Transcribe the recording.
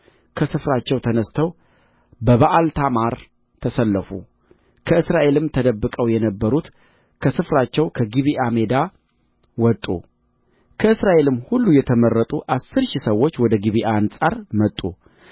ከስፍራቸው ተነሥተው በበኣልታማር ተሰለፉ ከእስራኤልም ተደብቀው የነበሩት ከስፍራቸው ከጊብዓ ሜዳ ወጡ ከእስራኤልም ሁሉ የተመረጡ አሥር ሺህ ሰዎች ወደ ጊብዓ አንጻር መጡ